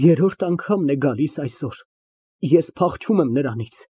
Երրորդ անգամն է գալիս այսօր, ես փախչում եմ նրանից։